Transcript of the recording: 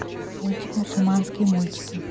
мультик мусульманские мультики